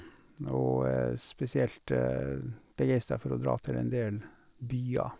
Og er spesielt begeistra for å dra til en del byer.